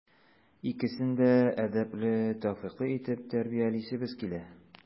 Икесен дә әдәпле, тәүфыйклы итеп тәрбиялисебез килә.